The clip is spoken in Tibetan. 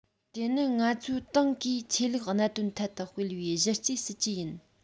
དེ ནི ང ཚོའི ཏང གིས ཆོས ལུགས གནད དོན ཐད དུ སྤེལ བའི གཞི རྩའི སྲིད ཇུས ཡིན